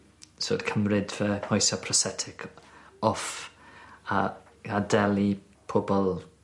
so odd cymryd fy coese prothsetic off a gadel i pobol